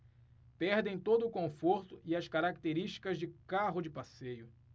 perdem todo o conforto e as características de carro de passeio